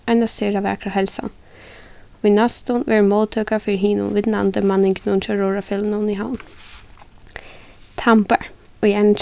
eina sera vakra heilsan í næstum verður móttøka fyri hinum vinnandi manningunum hjá róðrarfeløgunum í havn tambar í einum